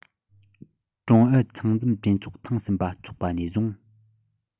ཀྲུང ཨུ ཚང འཛོམས གྲོས ཚོགས ཐེངས གསུམ པ འཚོགས པ ནས བཟུང